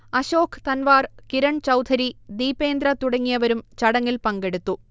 അശോക് തൻവാർ, കിരൺ ചൗധരി, ദീപേന്ദ്ര തുടങ്ങിയവരും ചടങ്ങിൽ പങ്കെടുത്തു